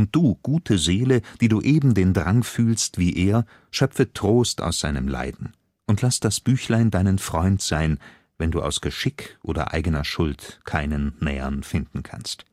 du, gute Seele, die du eben den Drang fühlst wie er, schöpfe Trost aus seinem Leiden, und laß das Büchlein deinen Freund sein, wenn du aus Geschick oder eigener Schuld keinen nähern finden kannst